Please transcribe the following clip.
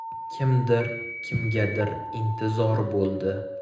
kimdir kimgadir intizor bo'ldi